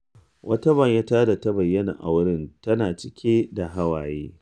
Wata mata ta bayyana a wurin tana cike da hawaye.